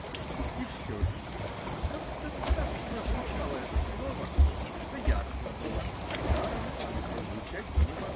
И все же -- как-то так прозвучало это слово, что ясно было -- даром оно прозвучать не могло.